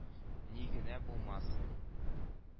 Ни генә булмасын